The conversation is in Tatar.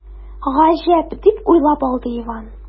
“гаҗәп”, дип уйлап алды иван.